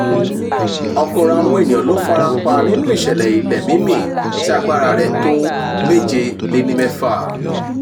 Ọ̀gọ̀ọ̀rọ̀ àwọn ènìyàn ló farapa nínú ìṣẹ̀lẹ̀ ilẹ̀ mímì tí agbára rẹ̀ tó 7.6